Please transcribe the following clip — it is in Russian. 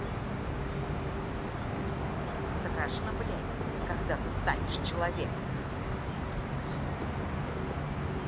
страшно блять когда ты станешь человеком